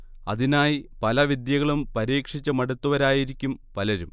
അതിനായി പല വിദ്യകളും പരീക്ഷിച്ച് മടുത്തവരായിരിക്കും പലരും